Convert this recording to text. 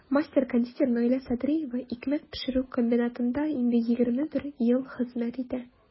Мастер-кондитер Наилә Садриева икмәк пешерү комбинатында инде 21 ел хезмәт итә.